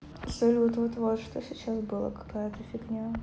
салют вот вот что сейчас было какая то фигня